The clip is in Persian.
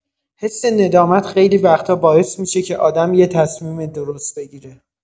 حس ندامت خیلی وقتا باعث می‌شه که آدم یه تصمیم درست بگیره.